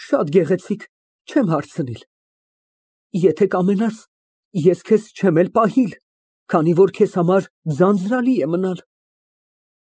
Շատ գեղեցիկ, չեմ հարցնիլ։ Եթե կամենաս, ես քեզ չեմ էլ պահիլ, քանի որ քեզ համար ձանձրալի է մնալ։